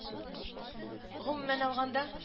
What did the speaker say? Гомумән алганда